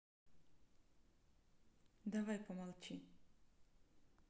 давай помолчи